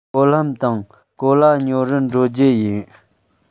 གོ ལྷམ དང གོ ལྭ ཉོ རུ འགྲོ རྒྱུ ཡིན